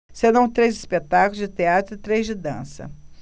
serão três espetáculos de teatro e três de dança